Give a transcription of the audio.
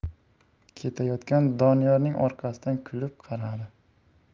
ketayotgan doniyorning orqasidan kulib qaradi